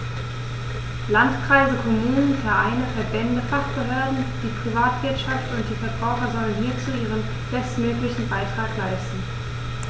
Landkreise, Kommunen, Vereine, Verbände, Fachbehörden, die Privatwirtschaft und die Verbraucher sollen hierzu ihren bestmöglichen Beitrag leisten.